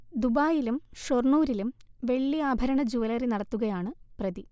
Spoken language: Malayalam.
ദുബായിലും ഷൊർണൂരിലും വെള്ളിആഭരണ ജൂവലറി നടത്തുകയാണ് പ്രതി